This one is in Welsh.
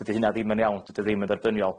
Dydi hynna ddim yn iawn dydi ddim yn dderbyniol.